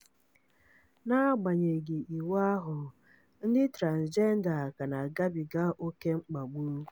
Na-agbanyeghị iwu ahụ, ndị transịjemda ka na-agabiga oke mkpagbu.